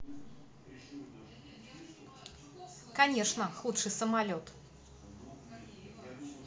конечно худший самолете